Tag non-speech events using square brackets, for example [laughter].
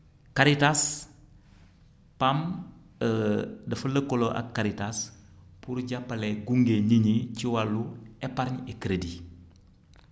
Caritas PAM [hesitation] dafa lëkkaloo ak Caritas pour jàppale gunge nit ñi ci wàllu épargne et crédit